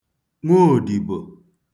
nwoòdìbò